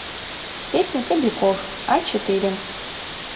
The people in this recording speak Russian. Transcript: песня кобяков а четыре